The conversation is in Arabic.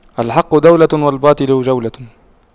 الحق دولة والباطل جولة